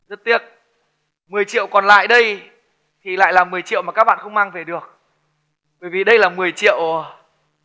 rất tiếc mười triệu còn lại đây thì lại là mười triệu mà các bạn không mang về được bởi vì đây là mười triệu ờ